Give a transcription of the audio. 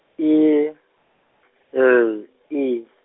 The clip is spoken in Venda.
I, L I.